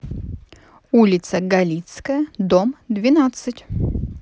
улица галицкая дом двенадцать